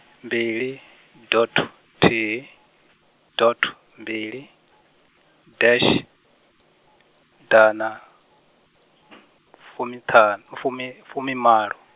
mbili, dot, nthihi, dot mbili, dash, ḓana, fumithan, fumi, fumimalo.